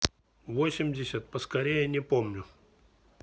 восемьдесят поскорее не помню